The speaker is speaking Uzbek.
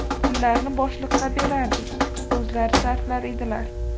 pullarni boshliqqa berardik o'zlari sarflar edilar